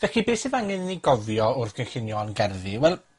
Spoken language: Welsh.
Felly, beth sydd angen i ni gofio wrth gynllunio 'yn gerddi? Wel